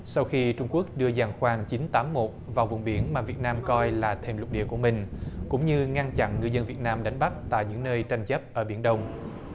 sau khi trung quốc đưa giàn khoan chín tám một vào vùng biển mà việt nam coi là thềm lục địa của mình cũng như ngăn chặn ngư dân việt nam đánh bắt tại những nơi tranh chấp ở biển đông